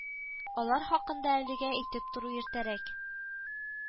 Алар хакында әлегә әйтеп тору иртәрәк